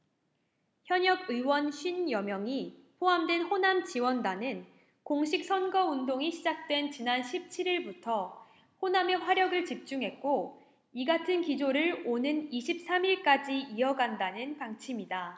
현역의원 쉰 여명이 포함된 호남지원단은 공식선거운동이 시작된 지난 십 칠 일부터 호남에 화력을 집중했고 이같은 기조를 오는 이십 삼 일까지 이어간다는 방침이다